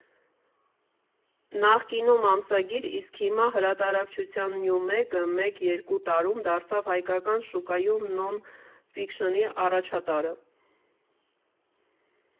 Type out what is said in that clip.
Նախկինում ամսագիր, իսկ հիմա հրատարակչություն Նյումեգը մեկ֊երկու տարում դարձավ հայկական շուկայում նոն֊ֆիքշնի առաջատարը։